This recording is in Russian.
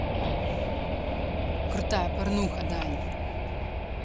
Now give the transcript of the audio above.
крутая порнуха дай